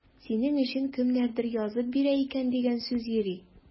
Синең өчен кемнәрдер язып бирә икән дигән сүз йөри.